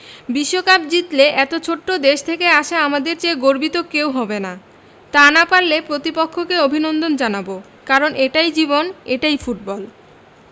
বিশ্বকাপ জিতলে এত ছোট্ট দেশ থেকে আসা আমাদের চেয়ে গর্বিত কেউ হবে না তা না পারলে প্রতিপক্ষকে অভিনন্দন জানাব কারণ এটাই জীবন এটাই ফুটবল